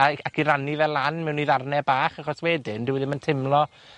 ag, ac i rannu fe lan mewn i ddarne bach achos wedyn dyw e ddim yn timlo